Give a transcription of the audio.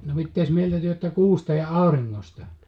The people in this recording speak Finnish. no mitä mieltä te olette kuusta ja auringosta